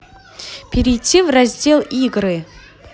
перейти в раздел игры